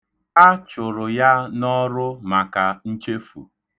A chụrụ ya n'ọrụ maka nchefu.